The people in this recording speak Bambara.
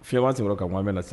Fima sɔrɔ ka mɔgɔ mɛn na sa